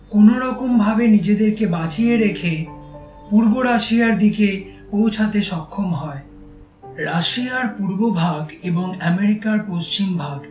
কোন রকম ভাবে নিজেদের কে বাঁচিয়ে রেখে পূর্ব রাশিয়ার দিকে পৌঁছাতে সক্ষম হয় রাশিয়ার পূর্ব ভাগ এবং এমেরিকার পশ্চিম ভাগ